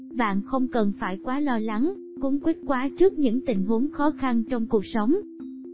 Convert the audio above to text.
bạn không cần phải quá lo lắng cuống quýt quá trước những tình huống khó khăn trong cuộc sống